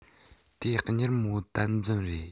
དེའི མྱུར མོར དམ འཛིན རེད